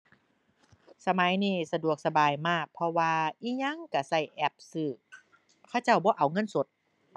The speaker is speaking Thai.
สมัยนี้สะดวกสบายมาก เพราะว่าอิหยังก็ก็แอปซื้อ เขาเจ้าบ่เอาเงินสด